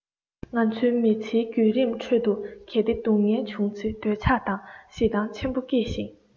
ང ཚོའི མི ཚེའི བརྒྱུད རིམ ཁྲོད དུ གལ ཏེ སྡུག བསྔལ བྱུང ཚེ འདོད ཆགས དང ཞེ སྡང ཆེན པོ སྐྱེས ཤིང